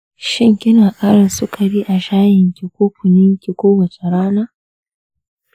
shin kina ƙara sukari a shayin ki ko kunun ki kowace rana?